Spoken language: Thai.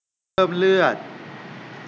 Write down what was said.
เพิ่มเลือด